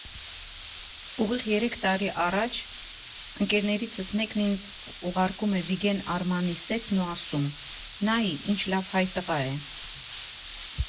Ուղիղ երեք տարի առաջ ընկերներիցս մեկն ինձ ուղարկում է Վիգեն Արմանի սեթն ու ասում՝ նայի, ինչ լավ հայ տղա է։